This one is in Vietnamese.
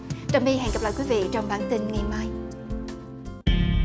trà my hẹn gặp lại quý vị trong bản tin ngày mai